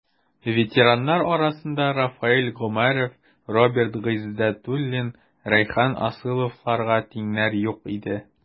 Ветераннар арасында Рафаэль Гомәров, Роберт Гыйздәтуллин, Рәйхан Асыловларга тиңнәр юк иде.